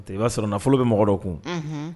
N'o tɛ, i b'a sɔrɔ nafolo bɛ mɔgɔ dɔ kun; Unhun.